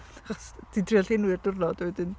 Achos ti'n trio llenwi'r diwrnod a wedyn...